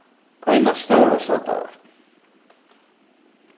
eina stóra sodavatn